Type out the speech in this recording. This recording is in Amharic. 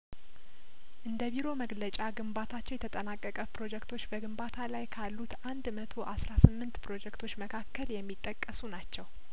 እንደ ቢሮው መግለጫ ግንባታቸው የተጠናቀቀ ፕሮጄክቶች በግንባታ ላይ ካሉት አንድ መቶ አስራ ስምንት ፕሮጄክቶች መካከል የሚጠቀሱ ናቸው